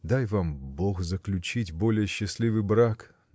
Дай вам бог заключить более счастливый брак!